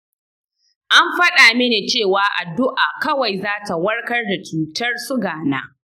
an faɗa mini cewa addu'a kawai za ta warkar da cutar suga na.